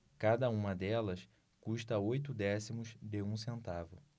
cada uma delas custa oito décimos de um centavo